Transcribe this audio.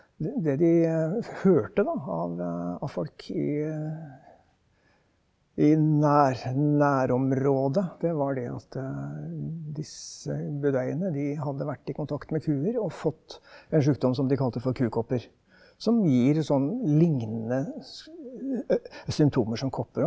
det det de hørte da av av folk i i nær nærområdet det var det at disse budeiene de hadde vært i kontakt med kuer og fått en sjukdom som de kalte for kukopper som gir sånn lignende symptomer som kopper.